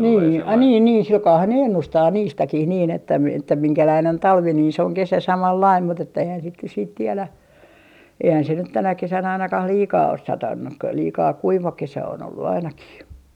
niin ai niin niin sillä kalellahan ne ennustaa niistäkin niin että - että minkälainen on talvi niin se on kesä samanlainen mutta että eihän sitten nyt sitten tiedä eihän se nyt tänä kesänä ainakaan liikaa ole satanut - liika kuiva kesä on ollut ainakin